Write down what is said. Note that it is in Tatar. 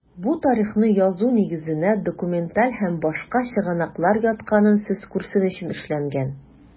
Бу тарихны язу нигезенә документаль һәм башка чыгынаклыр ятканын сез күрсен өчен эшләнгән.